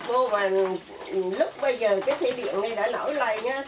mua vàng lúc bấy giờ có thể bị lỗi này